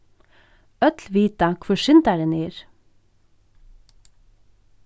øll vita hvør syndarin er